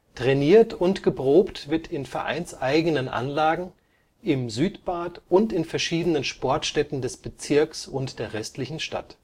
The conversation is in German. Trainiert und geprobt wird in vereinseigenen Anlagen, im Südbad und in verschiedenen Sportstätten des Bezirks und der restlichen Stadt